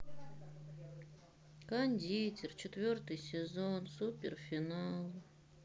кондитер четвертый сезон супер финал